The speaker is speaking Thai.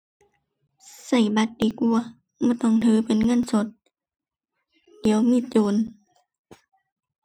ใช้บัตรดีกว่า บ่ต้องถือเป็นเงินสด เดี๋ยวมีโจร